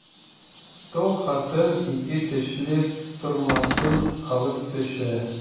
Тол хатын ике тешле тырмасын алып төшә.